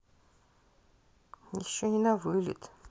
еще не навылет